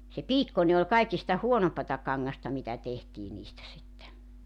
se piikkoinen oli kaikista huonompaa kangasta mitä tehtiin niistä sitten